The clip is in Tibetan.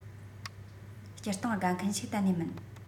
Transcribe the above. སྤྱིར བཏང དགའ མཁན ཞིག གཏན ནས མིན